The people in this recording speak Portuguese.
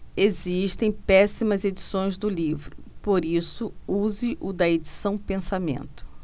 existem péssimas edições do livro por isso use o da edição pensamento